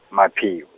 mapheo.